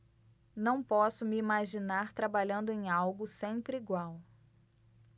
não posso me imaginar trabalhando em algo sempre igual